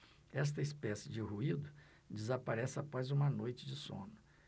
esta espécie de ruído desaparece após uma noite de sono